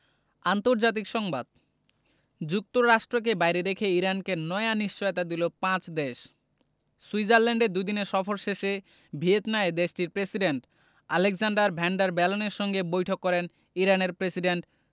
আন্তর্জাতিক সংবাদ যুক্তরাষ্ট্রকে বাইরে রেখেই ইরানকে নয়া নিশ্চয়তা দিল পাঁচ দেশ সুইজারল্যান্ডে দুদিনের সফর শেষে ভিয়েনায় দেশটির প্রেসিডেন্ট আলেক্সান্ডার ভ্যান ডার বেলেনের সঙ্গে বৈঠক করেন ইরানের প্রেসিডেন্ট